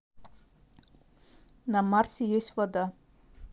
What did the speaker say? на марсе есть вода